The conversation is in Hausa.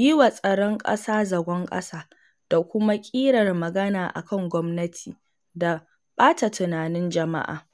“yi wa tsaron ƙasa zagon ƙasa,” da kuma “ƙirar magana akan gwamnati,” da “ɓata tunanin jama’a.”